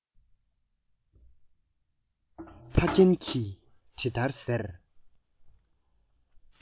ཕ རྒན གྱིས དེ ལྟར ཟེར